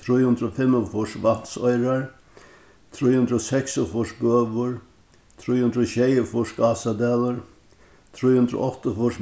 trý hundrað og fimmogfýrs vatnsoyrar trý hundrað og seksogfýrs bøur trý hundrað og sjeyogfýrs gásadalur trý hundrað og áttaogfýrs